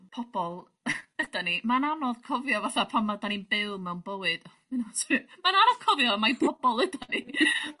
...pobol ydan ni. Mae'n anodd cofio fatha pam ydan ni'n byw mewn bywyd hmm t- ma'n anodd cofio mai pobol ydan ni.